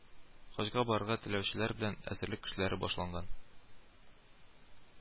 Хаҗга барырга теләүчеләр белән әзерлек эшләре башланган